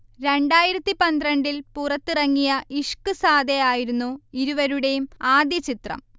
രണ്ടായിരത്തി പന്ത്രണ്ടിൽ പുറത്തിറങ്ങിയ ഇഷ്ഖ്സാദെ ആയിരുന്നു ഇരുവരുടെയും ആദ്യ ചിത്രം